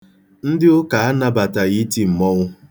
Ndị Ụka anabataghị iti mmọnwụ.